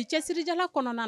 I cɛsirijala kɔnɔna